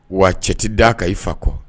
Wa cɛtigi da ka i fa kɔ